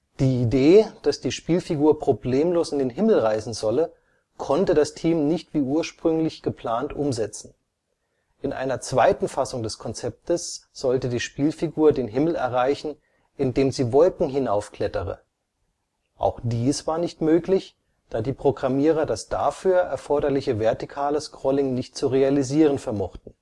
Die Idee, dass die Spielfigur problemlos in den Himmel reisen solle, konnte das Team nicht wie ursprünglich geplant umsetzen. In einer zweiten Fassung des Konzeptes sollte die Spielfigur den Himmel erreichen, indem sie Wolken hinaufklettere – auch dies war nicht möglich, da die Programmierer das dafür erforderliche vertikale Scrolling nicht zu realisieren vermochten